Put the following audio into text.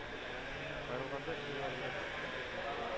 Аерылганда миңа йөрәк дустым